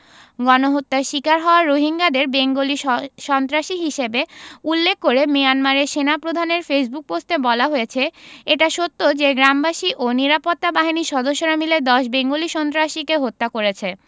গণহত্যার শিকার হওয়া রোহিঙ্গাদের বেঙ্গলি সন্ত্রাসী হিসেবে উল্লেখ করে মিয়ানমারের সেনাপ্রধানের ফেসবুক পোস্টে বলা হয়েছে এটা সত্য যে গ্রামবাসী ও নিরাপত্তা বাহিনীর সদস্যরা মিলে ১০ বেঙ্গলি সন্ত্রাসীকে হত্যা করেছে